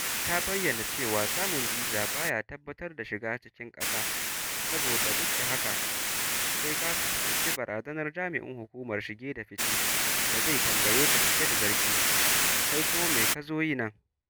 Ta bayyana cewa samun biza ba ya tabbatar da shiga cikin ƙasa saboda "duk da haka sai ka fuskanci barazanar jami'in hukumar shige da fice da zai tambaye ka cike da zargi 'Kai kuma me ka zo yi nan?'"